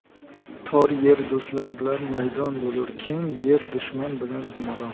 tor yer do'stlar bilan maydon bo'lur keng yer dushman bilan zindon